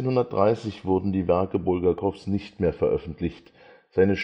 1930 wurden die Werke Bulgakows nicht mehr veröffentlicht, seine